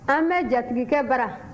an bɛ jatigikɛ bara